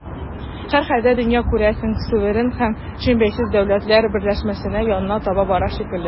Һәрхәлдә, дөнья, күрәсең, суверен һәм чын бәйсез дәүләтләр берләшмәсенә янына таба бара шикелле.